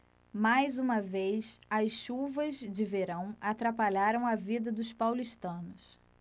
mais uma vez as chuvas de verão atrapalharam a vida dos paulistanos